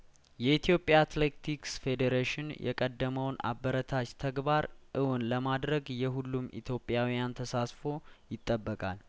የኢትዮጵያ አትሌቲክስ ሬዴሬሽን የቀደመውን አበረታች ተግባር እውን ለማድረግ የሁሉም ኢትዮጵያዊያን ተሳትፎ ይጠበቃል